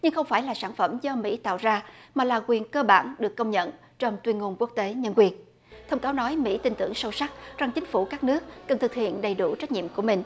nhưng không phải là sản phẩm do mỹ tạo ra mà là quyền cơ bản được công nhận trong tuyên ngôn quốc tế nhân quyền thông cáo nói mỹ tin tưởng sâu sắc trong chính phủ các nước cần thực hiện đầy đủ trách nhiệm của mình